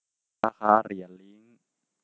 ราคาเหรียญลิ้ง